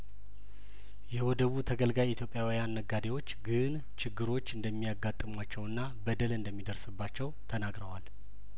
የወደቡ ተገልጋይ ኢትዮጵያዊያን ነጋዴዎች ግን ችግሮች እንደሚያጋጥሟቸውና በደል እንደሚደርስባቸው ተናግረዋል